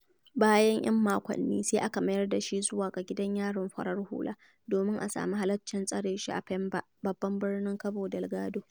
Bayan 'yan makwanni, sai aka mayar da shi zuwa ga gidan yarin farar hula domin a sami halaccin tsare shi a Pemba, babban birnin Cabo Delgado.